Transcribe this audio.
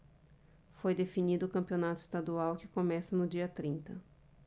foi definido o campeonato estadual que começa no dia trinta